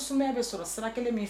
Bɛ sɔrɔ sira kelen min